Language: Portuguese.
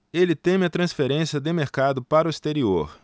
ele teme a transferência de mercado para o exterior